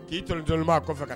K'i t jɔn b'a kɔfɛ ka